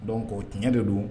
Donc tiɲɛ de don